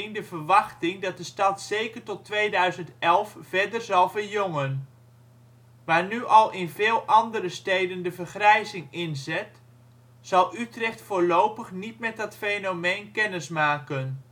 de verwachting dat de stad zeker tot 2011 verder zal verjongen. Waar nu al in veel andere steden de vergrijzing inzet, zal Utrecht voorlopig niet met dat fenomeen kennismaken